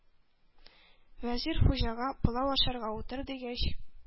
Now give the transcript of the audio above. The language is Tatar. Вәзир Хуҗага, пылау ашарга утыр, дигәч,